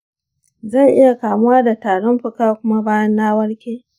zan iya kamuwa da tarin fuka kuma bayan na warke?